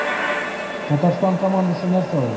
Татарстан командасы нәрсә ул?